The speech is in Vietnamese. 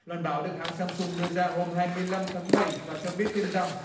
loan báo được hãng sam sung đưa ra hôm hai mươi lăm tháng bảy và cho biết thêm rằng